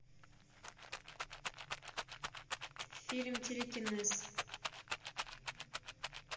фильм телекинез